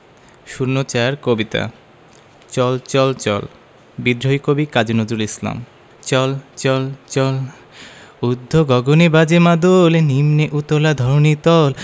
০৪ কবিতা চল চল চল বিদ্রোহী কবি কাজী নজরুল ইসলাম চল চল চল ঊর্ধ্ব গগনে বাজে মাদল নিম্নে উতলা ধরণি তল